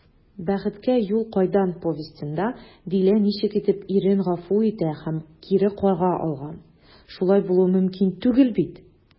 «бәхеткә юл кайдан» повестенда дилә ничек итеп ирен гафу итә һәм кире кага алган, шулай булуы мөмкин түгел бит?»